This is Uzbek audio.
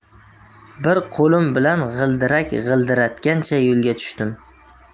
bir qo'lim bilan g'ildirak g'ildiratgancha yo'lga tushdim